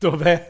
Do fe?